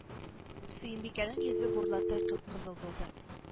Сөембикәнең йөзе бурлаттай кып-кызыл булды